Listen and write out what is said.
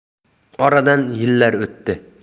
oradan yillar o'tdi